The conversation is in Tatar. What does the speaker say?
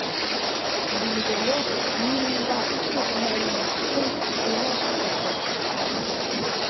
Билгеле, мин монда төп мәгънәсен генә китердем.